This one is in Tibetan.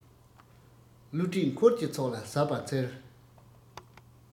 བསླུ བྲིད འཁོར གྱི ཚོགས ལ གཟབ པར འཚལ